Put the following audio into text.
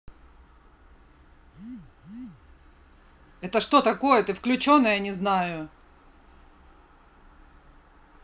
это что такое ты включенная незнаю